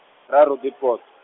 ra Roodepoort.